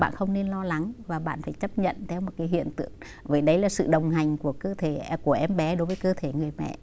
bạn không nên lo lắng và bạn phải chấp nhận theo một cái hiện tượng bởi đấy là sự đồng hành của cơ thể của em bé đối với cơ thể người mẹ